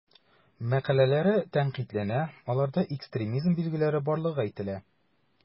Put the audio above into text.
Мәкаләләре тәнкыйтьләнә, аларда экстремизм билгеләре барлыгы әйтелә.